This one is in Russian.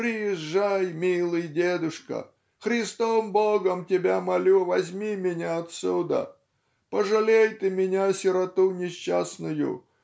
приезжай, милый дедушка, Христом Богом тебя молю, возьми меня отсюда. Пожалей ты меня сироту несчастную